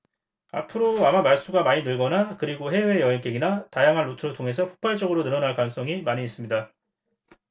앞으로 아마 밀수가 많이 늘거나 그리고 해외 여행객이나 다양한 루트를 통해서 폭발적으로 늘어날 가능성이 많이 있습니다